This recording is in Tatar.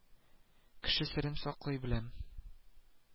Кеше серен саклый беләм